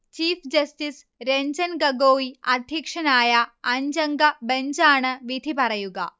chief justice Ranjan Gogoi അധ്യക്ഷനായ അഞ്ചംഗ ബഞ്ചാണ് വിധിപറയുക